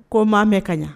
Ko maa mɛn kaɲɛ